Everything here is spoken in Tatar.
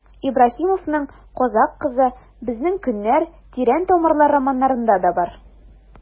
Ибраһимовның «Казакъ кызы», «Безнең көннәр», «Тирән тамырлар» романнарында да бар.